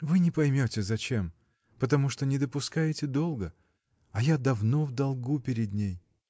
— Вы не поймете зачем, потому что не допускаете долга. А я давно в долгу перед ней.